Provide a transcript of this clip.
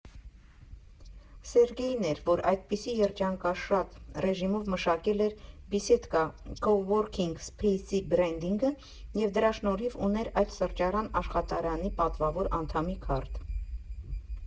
Սերգեյն էր, որ այդպիսի երջանկաշատ ռեժիմով մշակել էր «Բիսեդկա» քոուորքինգ֊սփեյսի բրենդինգը և դրա շնորհիվ ուներ այդ սրճարան֊աշխատարանի պատվավոր անդամի քարտ։